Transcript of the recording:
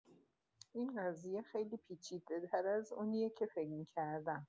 این قضیه خیلی پیچیده‌تر از اونیه که فکر می‌کردم.